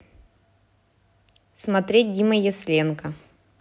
смотреть дима ясленко